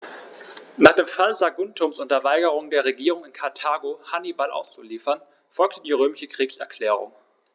Nach dem Fall Saguntums und der Weigerung der Regierung in Karthago, Hannibal auszuliefern, folgte die römische Kriegserklärung.